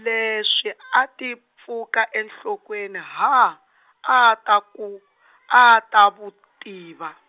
leswi a ti pfuka enhlokweni ha a, a ta ku, a ta wu tiva.